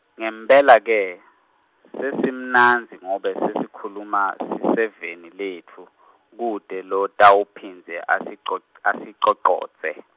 ngempela ke, sesimnandzi ngobe sesikhuluma, siseveni letfu , kute lotawuphindze asicot- asicocodze.